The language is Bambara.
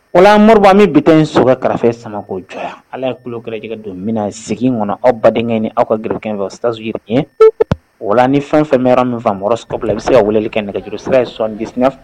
O la moriba min bi in sokɛ kara sama ko jɔ yan ala ye kulukɛjɛgɛ don min na zigin kɔnɔ aw baden ni aw ka gkɛfɛ szy ye wala ni fɛn fɛn min fɔ mɔgɔ cobila i bɛ se ka weleli kɛ nɛgɛjuru sira ye sɔn di